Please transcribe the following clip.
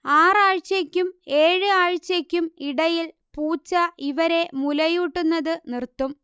ആറ് ആഴ്ചയ്ക്കും ഏഴ് ആഴ്ചയ്ക്കും ഇടയിൽ പൂച്ച ഇവരെ മുലയൂട്ടുന്നത് നിർത്തും